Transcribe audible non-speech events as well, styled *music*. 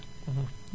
*hesitation* *hesitation*